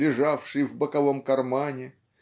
лежавший в боковом кармане